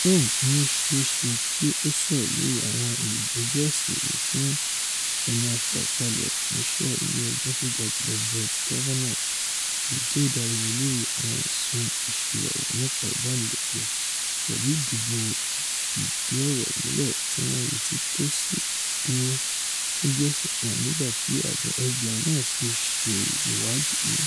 Trump ni ó ṣeé ṣ̵e kí ó sọ̀rọ̀ lórí àwọn ìgbẹ́jọ́ ọ̀sẹ̀ yìí fún ẹni-a-fàkalẹ̀-fúnṣẹ́ Ilé Ẹjọ́ Tógajùlọ Brett Kavanaugh, èyití o dariwo lórí àwọn ẹ̀sùn ìsìwàhu nípa ìbánilòpọ̀ pẹ̀lú ìdìbò ìfìdíọ̀rọ̀múlẹ̀ tíwọn ńretí tó sì ńdúró fún bí ọ̀sẹ̀ kan nígbà tí àjọ FBI náà sì ńṣe ìwáàdí.